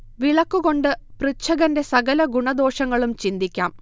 വിളക്കു കൊണ്ട് പൃച്ഛകന്റെ സകല ഗുണദോഷങ്ങളും ചിന്തിക്കാം